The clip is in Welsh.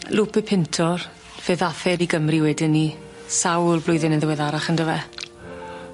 Lupe Pintor fe ddath ef i Gymru wedyn 'ny sawl blwyddyn yn ddiweddarach on' do fe?